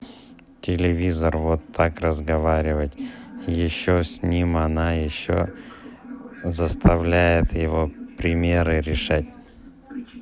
телевизор вот так разговаривать еще с ним она еще заставляет его примеры решать